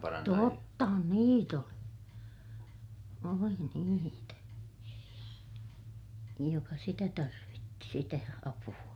tottahan niitä oli oli niitä joka sitä tarvitsi sitä apua